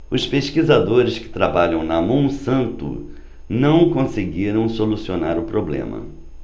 os pesquisadores que trabalham na monsanto não conseguiram solucionar o problema